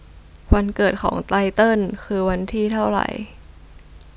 วันเกิดของไตเติ้ลคือวันที่เท่าไร